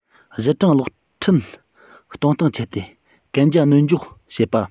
གཞི གྲངས གློག འཕྲིན གཏོང སྟངས སྤྱད དེ གན རྒྱ སྣོལ འཇོག བྱེད པ